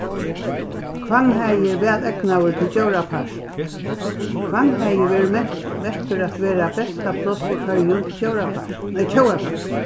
hvannhagi væl egnaður til djórapark hvannhagi verður mettur at vera besta pláss í føroyum nei tjóðarpark